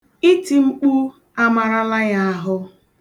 Iti mkpu amarala ya ahụ.